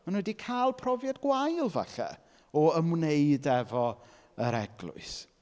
Maen nhw 'di cael profiad gwael falle o ymwneud efo yr Eglwys.